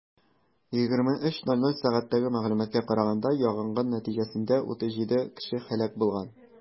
23:00 сәгатьтәге мәгълүматка караганда, янгын нәтиҗәсендә 37 кеше һәлак булган.